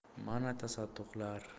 mana tasadduqlar